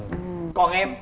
còn em